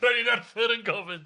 Brenin Arthur yn gofyn.